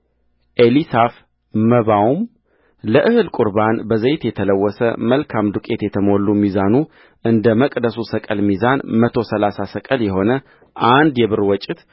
ኤሊሳፍመባውም ለእህል ቍርባን በዘይት የተለወሰ መልካም ዱቄት የተሞሉ ማዛኑ እንደ መቅደሱ ሰቅል ሚዛን መቶ ሠላሳ ሰቅል የሆነ አንድ የብር ወጭት